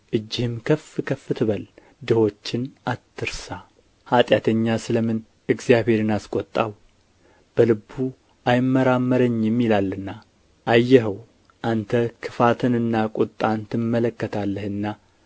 እጅህም ከፍ ከፍ ትበል ድሆችን አትርሳ ኃጢአተኛ ስለ ምን እግዚአብሔርን አስቈጣው በልቡ አይመራመረኝም ይላልና አየኸው አንተ ክፋትንና ቍጣን ትመለከታለህና